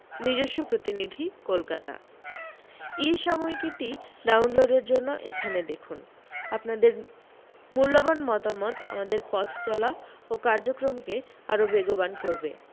নিজস্ব প্রতিনিধি কলকাতা ইসাময়িকীটি ডাউনলোডের জন্য এখানে দেখুন আপনাদের মূল্যবান মতামত আমাদের পথচলা ও কার্যক্রমকে আরো বেগবান করবে